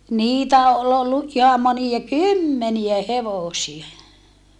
niitä oli ollut ihan monia kymmeniä hevosia